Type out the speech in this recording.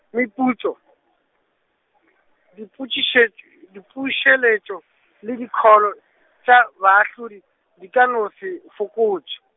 meputso , diputšišetš- dipuseletšo, le dikholo tša baahlodi, di ka no se fokotšwe.